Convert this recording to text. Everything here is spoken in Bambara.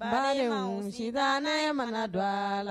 Paul sisan ne mana don a la